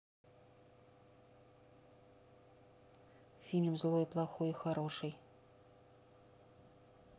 фильм злой плохой хороший